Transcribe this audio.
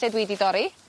lle dwi 'di dorri.